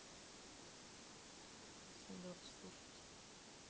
зе дорс слушать